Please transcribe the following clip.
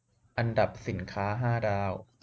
อันดับสินค้าห้าดาว